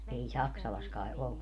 ei Saksalassa kai ollut